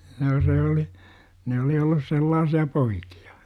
no se oli ne oli ollut sellaisia poikia